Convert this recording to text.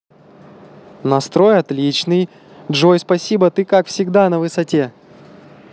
настрой отличный джой спасибо ты как всегда на высоте